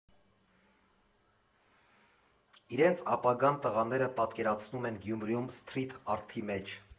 Իրենց ապագան տղաները պատկերացնում են Գյումրիում սթրիթ արթի մեջ։